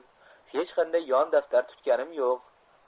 hech qanday yon daftar tutganim yo'q